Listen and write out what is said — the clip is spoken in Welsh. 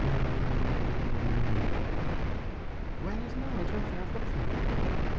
Mm ie. Well I don't know I don't know if I have got a favourite islander.